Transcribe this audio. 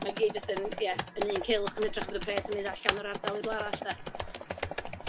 Ma' gyd jysd yn, ia, yn un cylch yn hytrach fod pres yn mynd allan o'r ardal i rywle arall de.